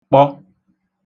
kpọ